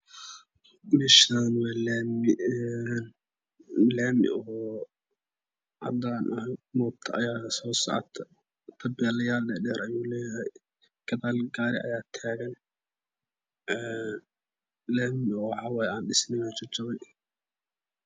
Meesha waalaami Een laamicadan ah moto ayaasocoto tabeliyal dhadheer ayuuleyahay gadal gariayaataga Een lami owaxa waye jajaban Aandhisnen